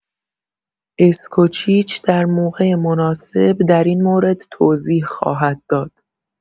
اسکوچیچ در موقع مناسب در این مورد توضیح خواهد داد.